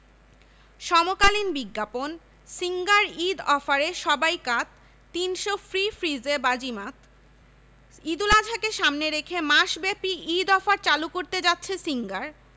সমকালীন বিজ্ঞাপন সিঙ্গার ঈদ অফারে সবাই কাত ৩০০ ফ্রি ফ্রিজে বাজিমাত ঈদুল আজহাকে সামনে রেখে মাসব্যাপী ঈদ অফার চালু করতে যাচ্ছে সিঙ্গার